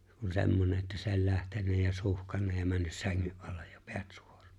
kun semmoinen että se oli lähtenyt ja suhkannut ja mennyt sängyn alle ja päät suoraan